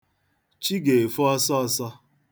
Chi ga-efo ọsọ ọsọ.